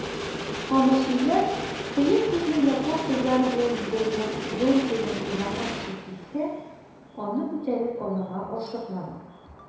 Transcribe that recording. Камыш өйләр, кыек күзле япон кызлары белән бизәлгән зонтигым тузанга төшеп китсә, аны күтәреп алырга ашыкмадым.